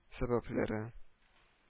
Сәбәпләре